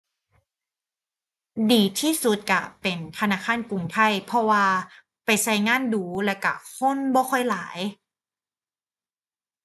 ดีที่สุดก็เป็นธนาคารกรุงไทย เพราะว่าไปก็งานดู๋ แล้วก็คนบ่ค่อยหลาย